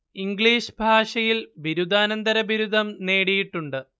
English ഭാഷയിൽ ബിരുദാനന്തര ബിരുദം നേടിയിട്ടുണ്ട്